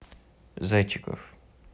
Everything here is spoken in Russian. зайчиков